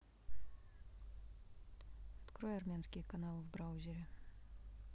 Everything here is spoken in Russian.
открой армянские каналы в браузере